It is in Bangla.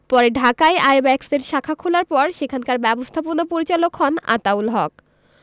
পরে ঢাকায় আইব্যাকসের শাখা খোলার পর সেখানকার ব্যবস্থাপনা পরিচালক হন আতাউল হক